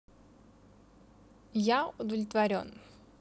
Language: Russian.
я удовлетворен